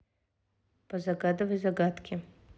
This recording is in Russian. позагадывай загадки